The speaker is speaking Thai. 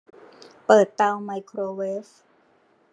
เปิดเตาไมโครเวฟ